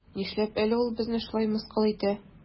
Нишләп әле ул безне шулай мыскыл итә?